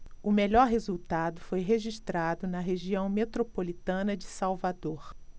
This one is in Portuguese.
o melhor resultado foi registrado na região metropolitana de salvador